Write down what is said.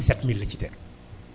7000 la ciy teg